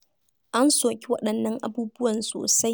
An soki waɗannan abubuwan sosai.